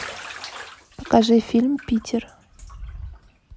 покажи фильм питер